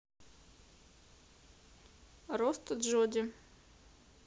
рост джоди